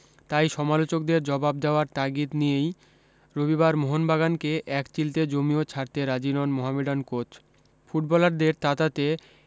তাই সমালোচকদের জবাব দেওয়ার তাগিদ নিয়েই রবিবার মোহনবাগানকে এক চিলতে জমিও ছাড়তে রাজি নন মোহামেডান কোচ ফুটবলারদের তাতাতে